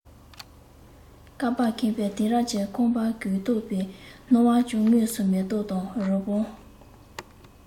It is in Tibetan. ཀ བས ཁེངས པས དེང རབས ཀྱི ཁང པ གུ དོག པའི སྣང བ གྱང ངོས སུ མེ ཏོག དང རི བོ